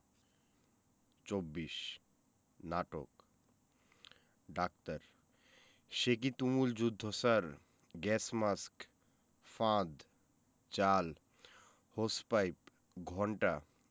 ২৪ নাটক ডাক্তার সেকি তুমুল যুদ্ধ স্যার গ্যাস মাস্ক ফাঁদ জাল হোস পাইপ ঘণ্টা